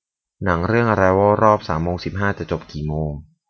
หนังเรื่องอะไรวอลรอบสามโมงสิบห้าจะจบกี่โมง